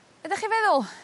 Be' 'dach chi feddwl?